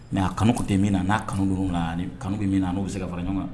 Mɛ a kanu tun tɛ min na n'a kanu ninnu na kanu min na n'u bɛ se ka fara ɲɔgɔn kan